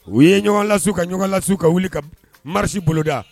U ye ɲɔgɔnla ka ɲɔgɔnla ka wuli ka marisi boloda